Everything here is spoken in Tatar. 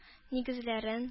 Нигезләрен